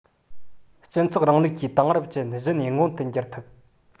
སྤྱི ཚོགས རིང ལུགས ཀྱི དེང རབས ཅན གཞི ནས མངོན དུ འགྱུར ཐུབ